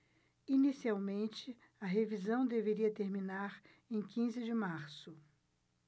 inicialmente a revisão deveria terminar em quinze de março